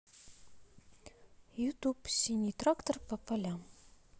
ютуб синий трактор по полям